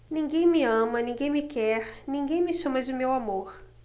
ninguém me ama ninguém me quer ninguém me chama de meu amor